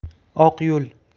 oq yo'l